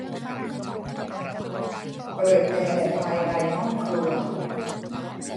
เปิดแอร์ภายในห้องครัว